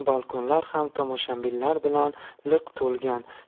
balkonlar ham tomoshabinlar bilan liq to'lgan